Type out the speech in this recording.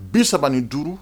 35